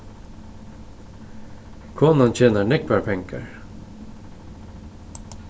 konan tjenar nógvar pengar